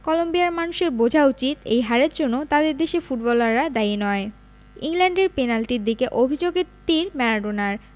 কলম্বিয়ার মানুষের বোঝা উচিত এই হারের জন্য তাদের দেশের ফুটবলাররা দায়ী নয় ইংল্যান্ডের পেনাল্টির দিকে অভিযোগের তির ম্যারাডোনার